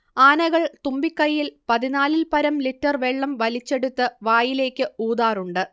ആനകൾ തുമ്പിക്കൈയിൽ പതിനാലിൽപ്പരം ലിറ്റർ വെള്ളം വലിച്ചെടുത്ത് വായിലേക്ക് ഊതാറുണ്ട്